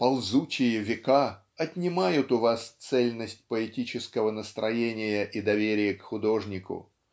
ползучие века отнимают у вас цельность поэтического настроения и доверие к художнику.